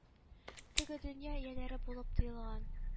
Теге дөнья ияләре булып тоелган